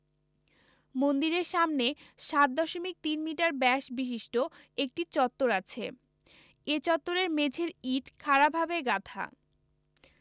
মন্দিরের সামনে ৭ দশমিক ৩ মিটার ব্যাস বিশিষ্ট একটি চত্বর আছে এই চত্বরের মেঝের ইট খাড়া ভাবে গাঁথা